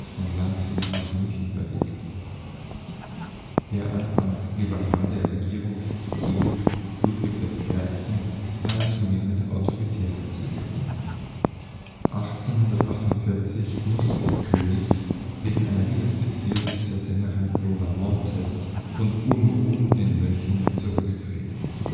von Landshut nach München verlegt (Näheres hier). Der anfangs liberale Regierungsstil Ludwigs I. nahm zunehmend autoritäre Züge an. 1848 musste der König wegen einer Liebesbeziehung zur Sängerin Lola Montez (1821 - 1861) und Unruhen in München zurücktreten